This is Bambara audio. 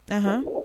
Aɔn